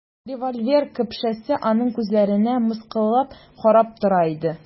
Револьвер көпшәсе аның күзләренә мыскыллап карап тора иде.